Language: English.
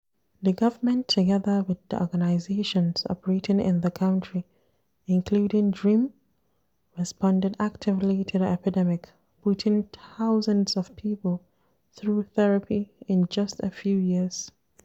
The government, together with the organisations operating in the country, including DREAM, responded actively to the epidemic, putting thousands of people through therapy in just a few years.